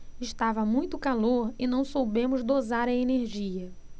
estava muito calor e não soubemos dosar a energia